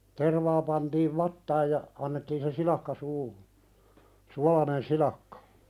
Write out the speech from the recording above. tervaa pantiin vatsaan ja annettiin se silakka suuhun suolainen silakka